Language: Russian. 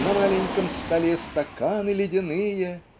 На маленьком столе стаканы ледяные